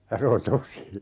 ja se on tosi